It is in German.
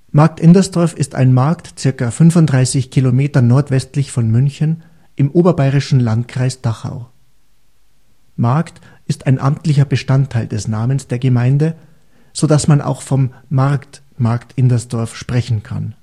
Markt Indersdorf ist ein Markt ca. 35 km nordwestlich von München im oberbayerischen Landkreis Dachau. „ Markt “ist amtlicher Bestandteil des Namens der Gemeinde, so dass man auch vom Markt „ Markt Indersdorf “sprechen kann